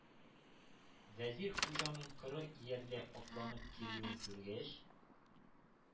Вәзир Хуҗаның коры ияргә атланып килүен күргәч,